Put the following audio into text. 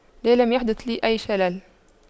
لا لم يحدث لي أي شلل